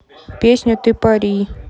песня ты пари